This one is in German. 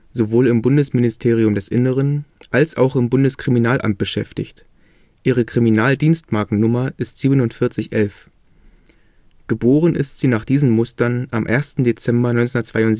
sowohl im Bundesministerium des Innern als auch im Bundeskriminalamt beschäftigt, ihre Kriminaldienstmarkennummer ist 4711. Geboren ist sie nach diesen Mustern am 1. Dezember 1972